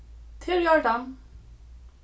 tað er í ordan